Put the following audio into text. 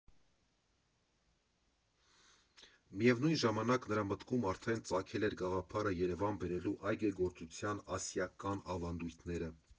Միևնույն ժամանակ, նրա մտքում արդեն ծագել էր գաղափարը Երևան բերելու այգեգործության ասիական ավանդույթները.